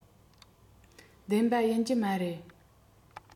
བདེན པ ཡིན གྱི མ རེད